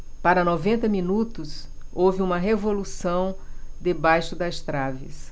para noventa minutos houve uma revolução debaixo das traves